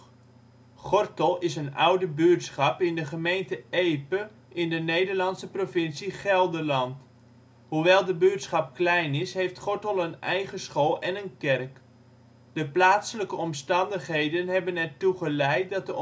Gortel is een oude buurtschap in de gemeente Epe in de Nederlandse provincie Gelderland. Hoewel de buurtschap klein is heeft Gortel een eigen school en een kerk. De plaatselijke omstandigheden hebben ertoe geleid dat